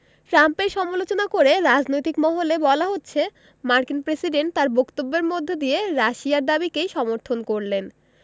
ট্রাম্পের সমালোচনা করে রাজনৈতিক মহলে বলা হচ্ছে মার্কিন প্রেসিডেন্ট তাঁর বক্তব্যের মধ্য দিয়ে রাশিয়ার দাবিকেই সমর্থন করলেন